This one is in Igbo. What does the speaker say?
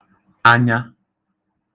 anya